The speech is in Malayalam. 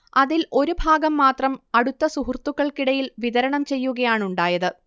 അതിൽ ഒരുഭാഗം മാത്രം അടുത്ത സുഹൃത്തുക്കൾക്കിടയിൽ വിതരണം ചെയ്യുകയാണുണ്ടായത്